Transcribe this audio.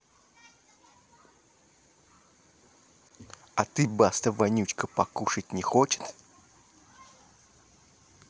а ты баста вонючка покушать не хочет